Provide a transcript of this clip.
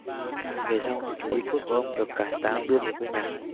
về sau di cốt của ông được cải táng đưa về quê nhà